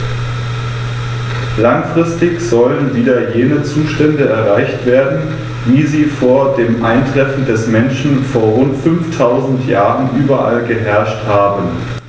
Langfristig sollen wieder jene Zustände erreicht werden, wie sie vor dem Eintreffen des Menschen vor rund 5000 Jahren überall geherrscht haben.